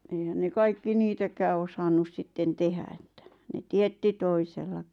eihän ne kaikki niitäkään osannut sitten tehdä että ne teetti toisellakin